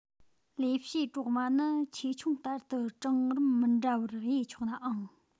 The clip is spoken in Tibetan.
ལས བྱེད གྲོག མ ནི ཆེ ཆུང ལྟར དུ གྲངས རིམ མི འདྲ བར དབྱེ ཆོག ནའང